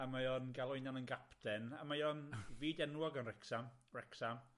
A mae o'n galw 'i 'unan yn gapten, a mae o'n fyd-enwog yn Wrecsam, Wrecsam,